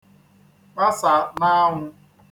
kpasa n'anwụ